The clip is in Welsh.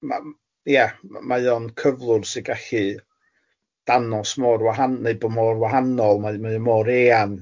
ma- ia mae o'n cyflwr sy'n gallu danos mor wahan- neu bod mor wahanol mae mae o mor eang.